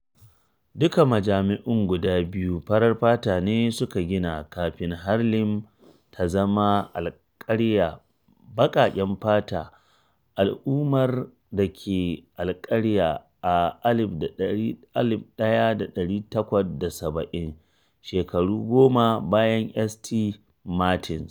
Duka majami’un guda biyu farar fata ne suka gina su kafin Harlem ta zama alƙaryar baƙaƙen fata - Al’ummar da ke Alƙaryar a 1870, shekaru goma bayan St. Martin’s.